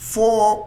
H